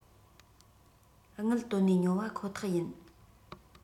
དངུལ བཏོན ནས ཉོ བ ཁོ ཐག ཡིན